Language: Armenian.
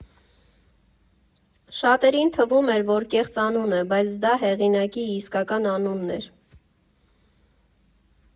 Շատերին թվում էր, որ կեղծանուն է, բայց դա հեղինակի իսկական անունն էր։